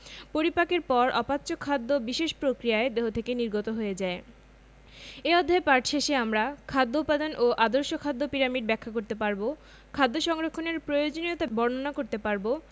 পরিপাকের পর অপাচ্য খাদ্য বিশেষ প্রক্রিয়ায় দেহ থেকে নির্গত হয়ে যায় এ অধ্যায় পাঠ শেষে আমরা খাদ্য উপাদান ও আদর্শ খাদ্য পিরামিড ব্যাখ্যা করতে পারব খাদ্য সংরক্ষণের প্রয়োজনীয়তা বর্ণনা করতে পারব